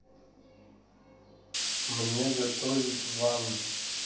мне готовить ван